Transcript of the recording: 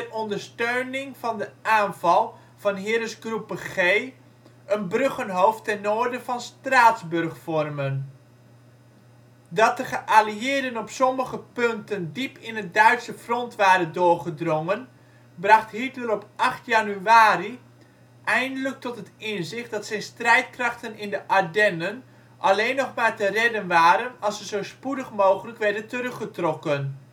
ondersteuning van de aanval van Heeresgruppe G een bruggenhoofd ten noorden van Straatsburg vormen. Dat de geallieerden op sommige punten diep in het Duitse front waren doorgedrongen, bracht Hitler op 8 januari eindelijk tot het inzicht dat zijn strijdkrachten in de Ardennen alleen nog maar te redden waren als ze zo spoedig mogelijk werden teruggetrokken